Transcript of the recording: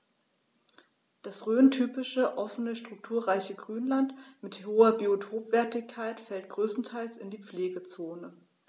Das rhöntypische offene, strukturreiche Grünland mit hoher Biotopwertigkeit fällt größtenteils in die Pflegezone.